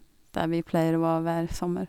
Der vi pleier å være hver sommer.